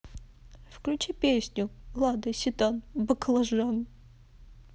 включи песню лада седан баклажан